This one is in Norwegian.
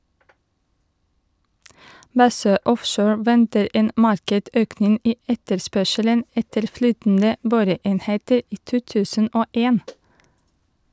Bassøe Offshore venter en markert økning i etterspørselen etter flytende boreenheter i 200 1.